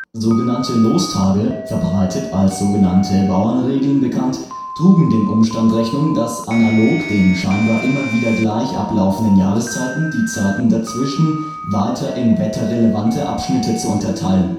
Sogenannte Lostage - verbreitet als sog. " Bauernregeln " bekannt - trugen dem Umstand Rechnung, dass analog den scheinbar immer wieder gleich ablaufenden Jahreszeiten die Zeiten dazwischen weiter in wetterrelevante Abschnitte zu unterteilen